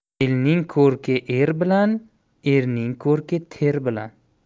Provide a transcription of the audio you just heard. elning ko'rki er bilan erning ko'rki ter bilan